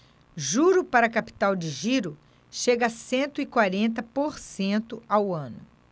juro para capital de giro chega a cento e quarenta por cento ao ano